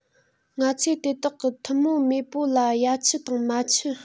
ང ཚོས དེ དག གི ཐུན མོང མེས པོ ལ ཡ མཆུ དང མ མཆུ